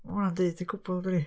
ma' hwnna'n deud y cwbl dydy.